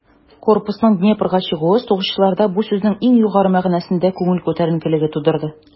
Корпусның Днепрга чыгуы сугышчыларда бу сүзнең иң югары мәгънәсендә күңел күтәренкелеге тудырды.